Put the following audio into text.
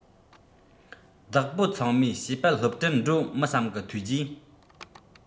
བདག པོ ཚང མས བྱིས པ སློབ གྲྭར འགྲོ མི བསམ གི ཐོས རྗེས